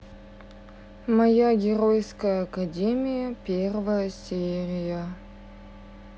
моя геройская академия первая серия